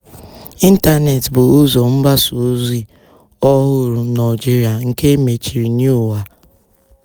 Intaneti bụ ụzọ mgbasa ozi ọhụrụ n'Algeria nke emechiri nye ụwa.